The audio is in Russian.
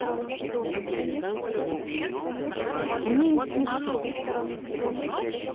мне не смешно